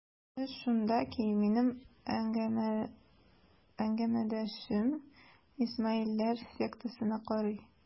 Эш шунда ки, минем әңгәмәдәшем исмаилләр сектасына карый.